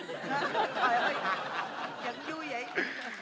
giận vui vậy